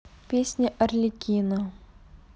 песня арлекино